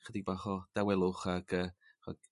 chydig bach dawelwch ag yy ch'od